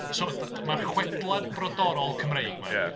So d- d- mae'r chwedlau brodorol Cymreig 'ma...